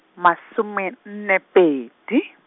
masomenne pedi.